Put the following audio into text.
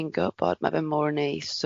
...fi'n gwybod, ma' fe mor neis.